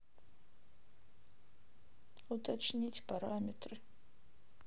уточнить параметры